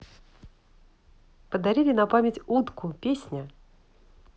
подарили на память утку песня